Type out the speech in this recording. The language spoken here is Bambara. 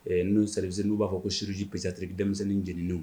Ɛɛ n' n u b'a fɔ ko surusi psiri denmisɛnnin jeniw